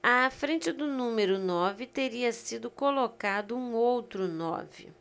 à frente do número nove teria sido colocado um outro nove